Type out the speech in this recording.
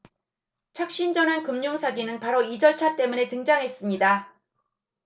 착신전환 금융사기는 바로 이 절차 때문에 등장했습니다